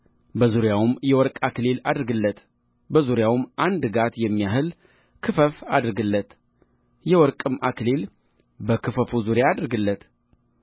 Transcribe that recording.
በዙሪያውም የወርቅ አክሊል አድርግለት በዙሪያውም አንድ ጋት የሚያህል ክፈፍ አድርግለት የወርቅም አክሊል በክፈፉ ዙሪያ አድርግለት